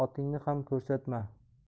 otingni ham ko'rsatma